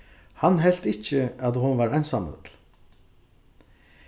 hann helt ikki at hon var einsamøll